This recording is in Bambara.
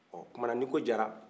ɔɔ kuma na ni ko jara